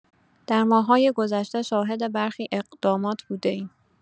در ماه‌های گذشته شاهد برخی اقدامات بوده‌ایم.